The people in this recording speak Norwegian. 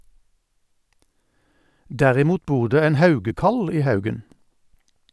Derimot bor det en haugekall i haugen.